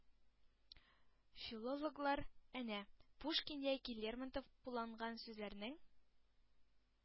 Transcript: Филологлар, әнә, Пушкин яки Лермонтов кулланган сүзләрнең